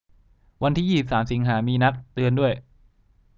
วันที่ยี่สิบสามสิงหามีนัดเตือนด้วย